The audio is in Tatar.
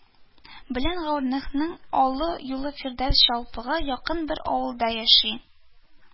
Белән гәүһәрнең олы улы фирдәвес чалпыга якын бер авылда яши,